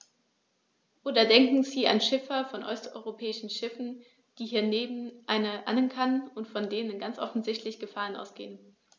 Oder denken Sie an Schiffer von osteuropäischen Schiffen, die hier neben anderen ankern und von denen ganz offensichtlich Gefahren ausgehen.